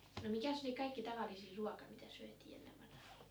no mikäs oli kaikkein tavallisin ruoka mitä syötiin ennen vanhaan